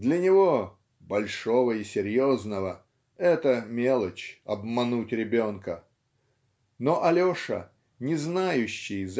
для него, "большого и серьезного", это мелочь обмануть ребенка. Но Алеша не знающий